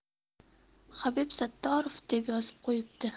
habib sattorov deb yozib qo'yibdi